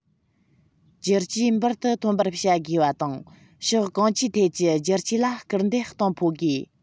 བསྒྱུར བཅོས འབུར དུ ཐོན པར བྱ དགོས པ དང ཕྱོགས གང ཅིའི ཐད ཀྱི བསྒྱུར བཅོས ལ སྐུལ འདེད གཏོང ཕོད དགོས